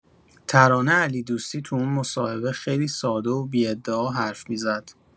ترانه علیدوستی تو اون مصاحبه خیلی ساده و بی‌ادعا حرف می‌زد.